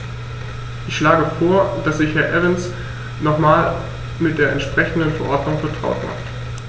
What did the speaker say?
Ich schlage vor, dass sich Herr Evans nochmals mit der entsprechenden Verordnung vertraut macht.